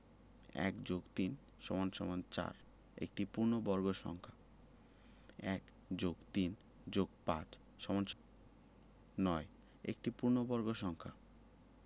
১+৩=৪ একটি পূর্ণবর্গ সংখ্যা ১+৩+৫=৯ একটি পূর্ণবর্গ সংখ্যা